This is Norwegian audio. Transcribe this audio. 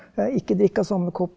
ikke drikk av samme kopp!